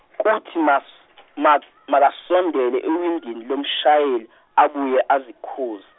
kuthi mas- ma- makasondele ewindini lomshayeli abuye azikhuze.